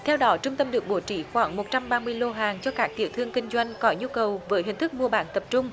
theo đó trung tâm được bố trí khoảng một trăm ba mươi lô hàng cho các tiểu thương kinh doanh có nhu cầu với hình thức mua bán tập trung